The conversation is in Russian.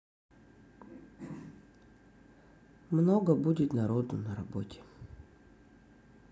много будет народу на работе